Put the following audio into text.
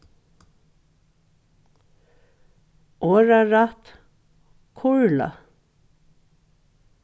orðarætt kurla